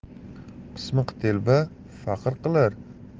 pismiq telba farq qilar